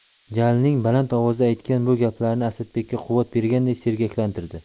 jalilning baland ovozda aytgan bu gaplari asadbekka quvvat berganday sergaklantirdi